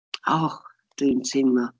O, dwi'n teimlo...